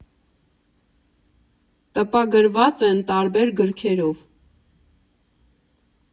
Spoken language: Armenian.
Տպագրված են տարբեր գրքերով։